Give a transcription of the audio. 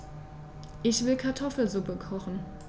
Ich will Kartoffelsuppe kochen.